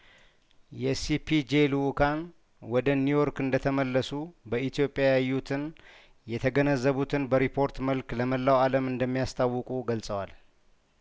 የሲፒጄ ልኡካን ወደ ኒውዮርክ እንደተመለሱ በኢትዮጵያ ያዩትን የተገነዘቡትን በሪፖርት መልክ ለመላው አለም እንደሚያሳውቁ ገልጸዋል